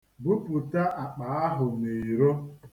Bupụta akpa ahụ n'iro.